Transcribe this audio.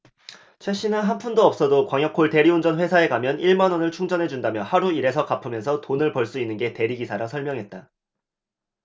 최씨는 한 푼도 없어도 광역콜 대리운전 회사에 가면 일 만원을 충전해준다며 하루 일해서 갚으면서 돈을 벌 수 있는 게 대리기사라 설명했다